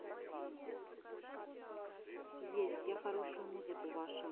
есть я хорошую музыку ваша